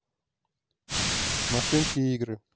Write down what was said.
машинки игры